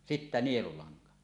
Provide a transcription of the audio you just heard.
sitten nielulanka